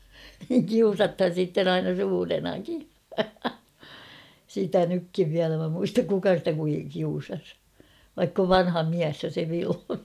niin kiusataan sitten aina suurenakin sitä nytkin vielä minä muistan kuka sitä - kiusasi vaikka on vanha mies jo se Vilho